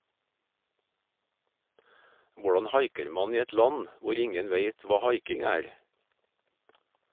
Hvordan haiker man i et land hvor ingen veit hva haiking er?